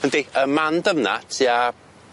Yndi y man dyfna tua